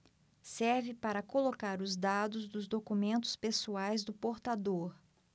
serve para colocar os dados dos documentos pessoais do portador